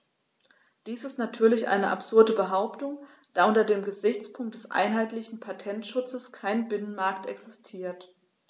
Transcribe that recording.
Dies ist natürlich eine absurde Behauptung, da unter dem Gesichtspunkt des einheitlichen Patentschutzes kein Binnenmarkt existiert.